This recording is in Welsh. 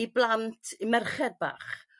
i blant i merched bach